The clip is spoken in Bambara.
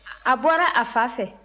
a bɔra a fa fɛ